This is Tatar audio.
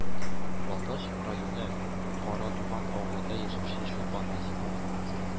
Балтач районы Карадуган авылында яшәүче Чулпан Нәҗипова.